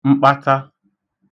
mkpata